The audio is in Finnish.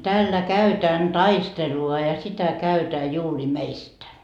täällä käydään taistelua ja ja sitä käydään juuri meistä